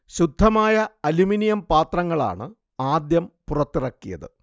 ശുദ്ധമായ അലുമിനിയം പാത്രങ്ങളാണ് ആദ്യം പുറത്തിറക്കിയത്